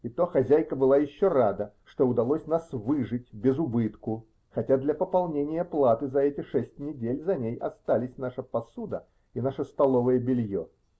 И то хозяйка была еще рада, что удалось нас выжить без убытку -- хотя для пополнения платы за эти шесть недель за ней остались наша посуда и наше столовое белье.